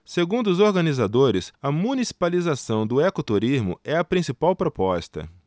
segundo os organizadores a municipalização do ecoturismo é a principal proposta